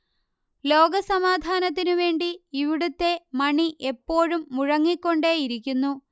ലോക സമാധാനത്തിനു വേണ്ടി ഇവിടുത്തെ മണി എപ്പോഴും മുഴങ്ങിക്കൊണ്ടേയിരിക്കുന്നു